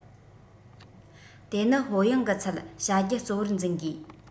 དེ ནི ཧོལ ཡང གི ཚལ བྱ རྒྱུ གཙོ བོར འཛིན དགོས